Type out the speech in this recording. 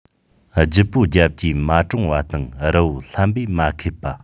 ལྗིད པོ རྒྱབ ཀྱིས མ འདྲོང བ དང རལ པོ ལྷན པས མ ཁེབས པ